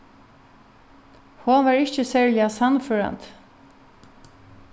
hon var ikki serliga sannførandi